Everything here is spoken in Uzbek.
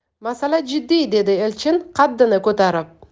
masala jiddiy dedi elchin qaddini ko'tarib